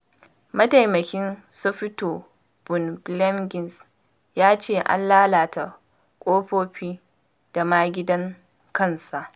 Mataimakin Sufeto Bob Blemmings ya ce an lalata ƙofofi da ma gidan kansa.